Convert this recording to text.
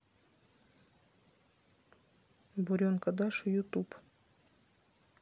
буренка даша ютуб